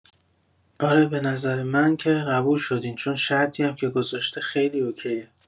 آره به نظر من که قبول شدین چون شرطی هم که گذاشته خیلی اوکیه